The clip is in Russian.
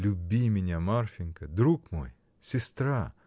— Люби меня, Марфинька: друг мой, сестра!.